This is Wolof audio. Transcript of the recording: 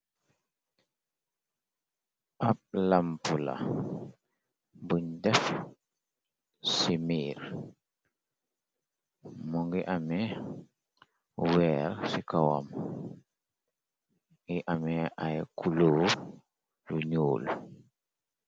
Ab lampu la buñ def ci mir mo ngi amee weer ci kowam. Ngi amee ay kulu lu ñuul.